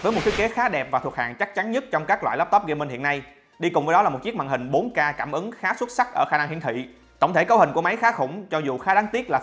với một thiết kế khá đẹp và thuộc hàng chắc chắn nhất trong các loại laptop gaming hiện nay đi cùng với đó là một chiếc màn hình k cảm ứng khá xuất sắc ở khả năng hiển thị tổng thể cấu hình của máy khá khủng cho dù khá đáng tiếc là